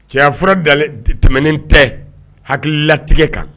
Cɛyafura dalen te tɛmɛnen tɛ hakililatigɛ kan